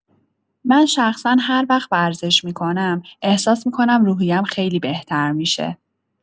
من شخصا هر وقت ورزش می‌کنم، احساس می‌کنم روحیه‌ام خیلی بهتر می‌شه.